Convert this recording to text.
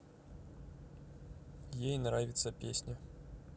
ей нравится песня